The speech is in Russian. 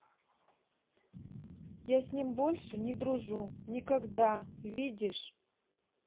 я с ним больше не дружу никогда видишь